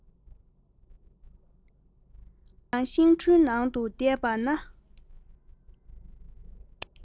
ང རང ཤིང གྲུའི ནང དུ བསྡད པ ན